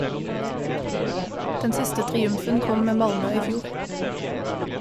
Den siste triumfen kom med Malmö i fjor.